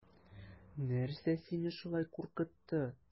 Нәрсә саине шулай куркытты?